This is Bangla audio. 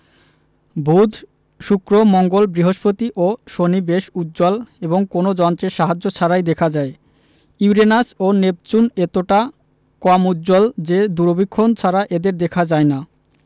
বুধ শুক্র মঙ্গল বৃহস্পতি ও শনি বেশ উজ্জ্বল এবং কোনো যন্ত্রের সাহায্য ছাড়াই দেখা যায় ইউরেনাস ও নেপচুন এতটা কম উজ্জ্বল যে দূরবীক্ষণ ছাড়া এদের দেখা যায় না